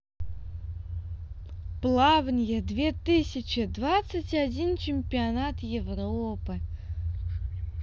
плаванье две тысячи двадцать один чемпионат европы